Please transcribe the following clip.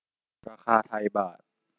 ราคาไทยบาท